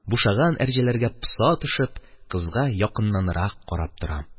Бушаган әрҗәләргә поса төшеп, кызга якыннанрак карап торам.